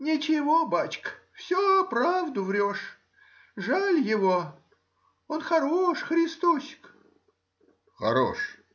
— Ничего, бачка,— все правду врешь; жаль его: он хорош, Христосик. — Хорош?